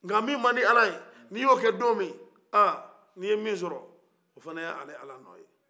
nka min man di ala ye n'i y'o kɛ don min n'i ye min sɔrɔ o fana ye ale ala nɔ ye